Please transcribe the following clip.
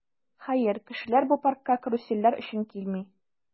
Хәер, кешеләр бу паркка карусельләр өчен килми.